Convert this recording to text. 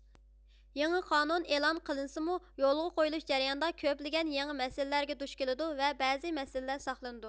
يېڭى قانۇن ئېلان قىلىنسىمۇ يولغا قويۇلۇش جەريانىدا كۆپلىگەن يېڭى مەسىلىلەرگە دۈچ كېلىدۇ ۋە بەزى مەسىلىلەر ساقلىنىدۇ